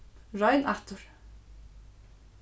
royn aftur